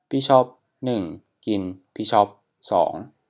บิชอปหนึ่งกินบิชอปสอง